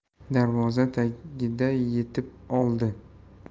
darvoza tagida yetib oldi